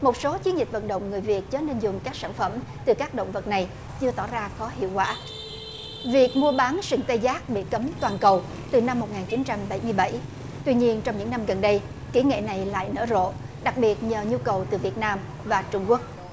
một số chiến dịch vận động người việt chớ nên dùng các sản phẩm từ các động vật này chưa tỏ ra có hiệu quả việc mua bán sừng tê giác bị cấm toàn cầu từ năm một ngàn chín trăm bảy mươi bảy tuy nhiên trong những năm gần đây kĩ nghệ này lại nở rộ đặc biệt nhờ nhu cầu từ việt nam và trung quốc